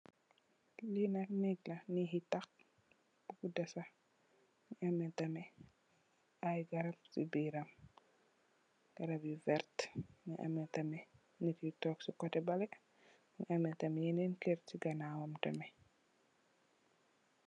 Le nake la. Nake gu tat bu guda ameh ai garap yu verter ameh tali nit yi taw si koteh bele mu am tam ynen kerr si ganawam.